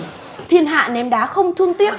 thiên hạ ném đá không thương tiếc